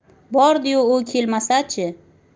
bordiyu u kelmasachi